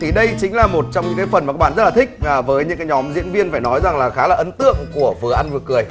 thì đây chính là một trong những cái phần mà bạn rất là thích à với những cái nhóm diễn viên phải nói rằng là khá là ấn tượng của vừa ăn vừa cười